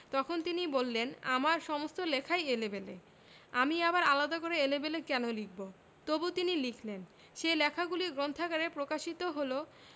তখন তিনি বললেন আমার সমস্ত লেখাই এলেবেলে আমি আবার আলাদা করে এলেবেলে কেন লিখব তবু তিনি লিখলেন সেই লেখাগুলি গ্রন্থাকারে প্রকাশিত হল